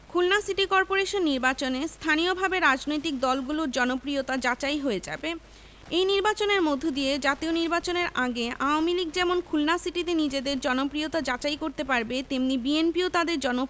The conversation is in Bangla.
খুলনা সিটি করপোরেশন নির্বাচনে স্থানীয়ভাবে রাজনৈতিক দলগুলোর জনপ্রিয়তা যাচাই হয়ে যাবে এই নির্বাচনের মধ্য দিয়ে জাতীয় নির্বাচনের আগে আওয়ামী লীগ যেমন খুলনা সিটিতে নিজেদের জনপ্রিয়তা যাচাই করতে পারবে তেমনি বিএনপিও তাদের জন